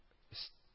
Өс